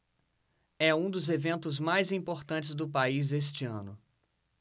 é um dos eventos mais importantes do país este ano